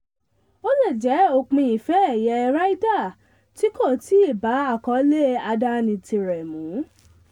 Ó le jẹ́ òpin Ìfe ẹ̀yẹ Ryder tí kò tìì bá àkọọ́lẹ̀ àdáni tirẹ̀ mu.